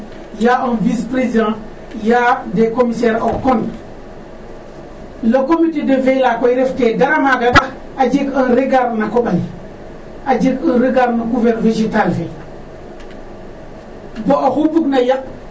y' a un vice président y' a des commissaire au compte le comité de veille laaga koy reftee dara maga ndax a jega un regard na koƥ ale a jeg un regard no couvert vegetale fe bo oxu bugna yaq.